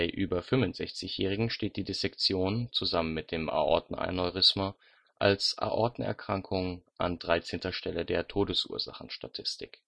über 65-jährigen steht die Dissektion zusammen mit dem Aortenaneurysma als „ Aortenerkrankung “an 13. Stelle der Todesursachenstatistik